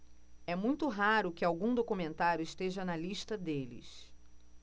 é muito raro que algum documentário esteja na lista deles